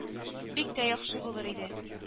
Бик тә яхшы булыр иде…